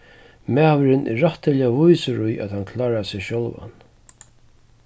maðurin er rættiliga vísur í at hann klárar seg sjálvan